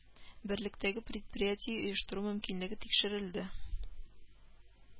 Берлектәге предприятие оештыру мөмкинлеге тикшерелде